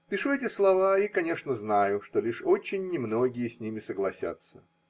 Пишу эти слова и, конечно, знаю, что лишь очень немногие с ними согласятся.